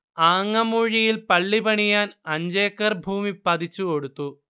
ആങ്ങമൂഴിയിൽ പള്ളി പണിയാൻ അഞ്ചേക്കർ ഭൂമി പതിച്ചു കൊടുത്തു